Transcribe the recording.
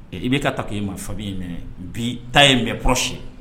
I b'i ka ta i ma fabi in minɛ bi ta in mɛ psi ye